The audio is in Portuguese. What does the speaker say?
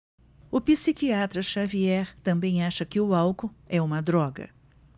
o psiquiatra dartiu xavier também acha que o álcool é uma droga